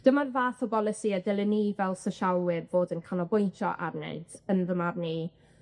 Dyma'r fath o bolisi a dylen ni fel sosialwyr fod yn canolbwyntio arnynt yn fy marn i